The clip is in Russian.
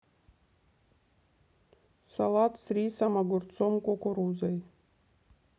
салат с рисом огурцом кукурузой